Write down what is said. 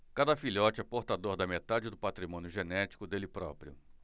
cada filhote é portador da metade do patrimônio genético dele próprio